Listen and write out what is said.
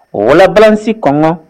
Wɔbansi kɔnɔgɔ